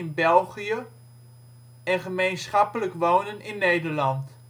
België) Gemeenschappelijk wonen (Nederland